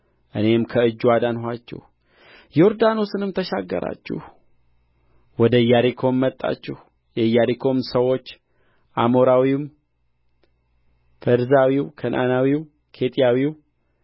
እኔም ከእጁ አዳንኋችሁ ዮርዳኖስንም ተሻገራችሁ ወደ ኢያሪኮም መጣችሁ የኢያሪኮም ሰዎች አሞራዊው ፌርዛዊው ከነዓናዊው ኬጢያዊው